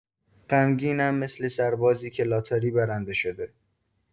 غمگینم مثل سربازی که لاتاری برنده شده.